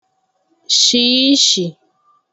shì ishì